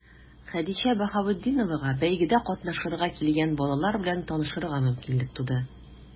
Хәдичә Баһаветдиновага бәйгедә катнашырга килгән балалар белән танышырга мөмкинлек туды.